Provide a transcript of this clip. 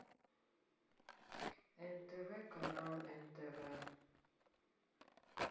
нтв канал нтв